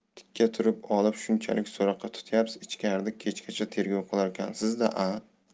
tikka turib olib shunchalik so'roqqa tutyapsiz ichkarida kechgacha tergov qilarkansiz da a